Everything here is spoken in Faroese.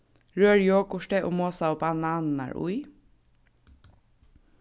rør jogurtið og mosaðu bananirnar í